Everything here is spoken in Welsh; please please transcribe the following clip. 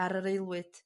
ar yr aelwyd.